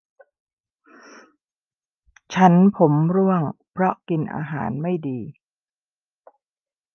ฉันผมร่วงเพราะกินอาหารไม่ดี